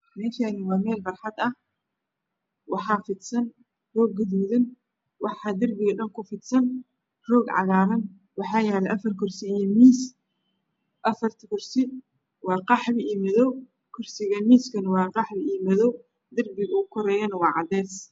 Meeshaani waa meel barxad ah waxaa fidsan roog gaduudan waxaa darbiga dhan ku fidsan roog cagaaran waxaa yaalo afar kursi iyo miis afarta kursi waa qaxwi iyo madoow kusiga miiskana waa qaxwi iyo madoow darbiga ugu koreeyana waa cadees